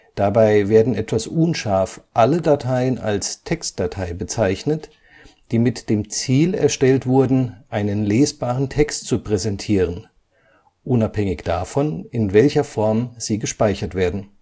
Dabei werden etwas unscharf alle Dateien als „ Textdatei “bezeichnet, die mit dem Ziel erstellt wurden, einen lesbaren Text zu präsentieren, unabhängig davon, in welcher Form sie gespeichert werden